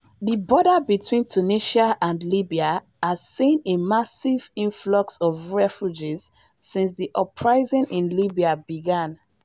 The border between Tunisia and Libya has seen a massive influx of refugees since the uprising in Libya began.